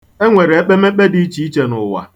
E nwere ekpemekpe dị iche iche n'ụwa.